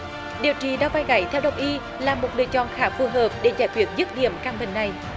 điều trị đau vai gáy theo đông y là một lựa chọn khá phù hợp để giải quyết dứt điểm căn bệnh này